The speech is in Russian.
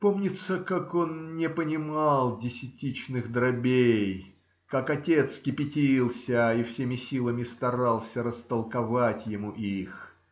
Помнится, как он не понимал, десятичных дробей, как отец кипятился и всеми силами старался растолковать ему их.